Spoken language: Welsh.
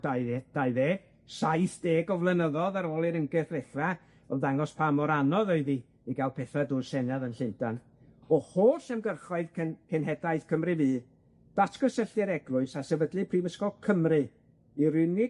dau dde- dau ddeg, saith deg o flynyddodd ar ôl i'r imgyrch ddechra, ymddangos pa mor anodd oedd 'i i ga'l petha drw'r Senedd yn Llundan, o holl ymgyrchoedd cen- cenhedlaeth Cymru Fydd, datgysylltu'r Eglwys a sefydlu Prifysgol Cymru 'di'r unig